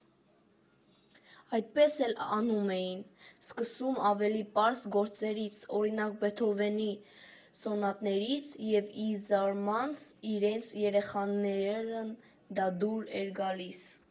Այդպես էլ անում էին, սկսում ավելի պարզ գործերից, օրինակ՝ Բեթհովենի սոնատներից և, ի զարմանս իրենց, երեխաներին դա դուր էր գալիս։